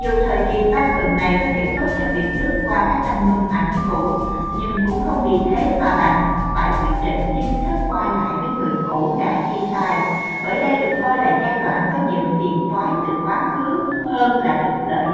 mặc dù thời kỳ tuần này có thể tốt cho việc lướt qua các album ảnh cũ nhưng cũng không vì thế mà bạn quyết định chính thức quay lại với người cũ đã chia tay bởi đây được coi là giai đoạn có nhiều phiền toái từ quá khứ hơn là lợi ích